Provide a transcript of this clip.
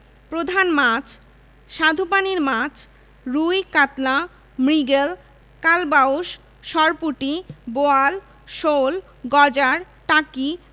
রংপুরের কাউনিয়া উপজেলায় তিস্তা নদীর উপর তিস্তা সেতু ইত্যাদি বিশেষভাবে উল্লেখযোগ্য গুরুত্বপূর্ণ অভ্যন্তরীণ নৌবন্দর